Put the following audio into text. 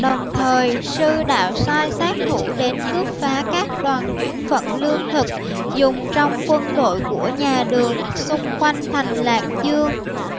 đồng thời sư đạo sai sát thủ đến cướp phá các đoàn chuyển vận lương thực dùng trong quân đội của nhà đường xung quanh thành lạc dương